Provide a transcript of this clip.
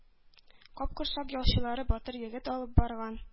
Капкорсак ялчылары батыр егет алып барган